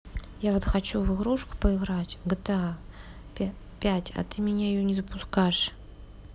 я вот хочу в игрушку поиграть в gta пять а ты меня ее не запускаешь